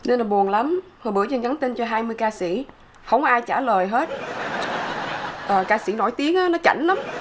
nên là buồn lắm hồi bữa giờ nhắn tin cho hai mươi ca sĩ không ai trả lời hết ca sĩ nổi tiếng á nó chảnh lắm